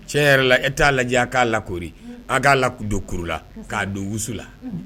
Cɛn yɛrɛ la e t'a lajɛ a k'a lakoori a k'a la k do kuru la k'a do wusu la unhun